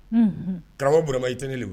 Unhun! Karamɔgɔ burama i tɛ ne lebu